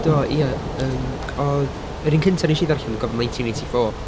Do, ia, yym. Oedd yr un cyntaf wnes i ddarllen dwi'n cofio oedd 1984.